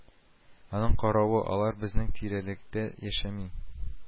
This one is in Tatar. Аның каравы, алар безнең тирәлектә яшәми